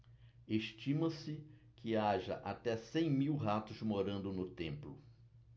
estima-se que haja até cem mil ratos morando no templo